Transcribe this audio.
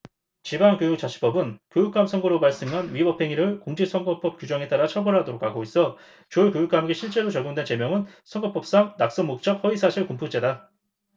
지방교육자치법은 교육감 선거로 발생한 위법행위를 공직선거법 규정에 따라 처벌하도록 하고 있어 조 교육감에게 실제로 적용된 죄명은 선거법상 낙선목적 허위사실공표죄다